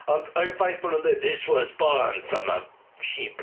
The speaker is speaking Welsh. Ond y ffaith bod nhw'n deud this was born from a sheep.